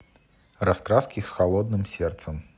раскраски с холодным сердцем